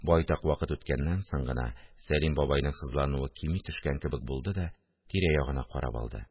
Байтак вакыт үткәннән соң гына Сәлим бабайның сызлануы кими төшкән кебек булды да тирә-ягына карап алды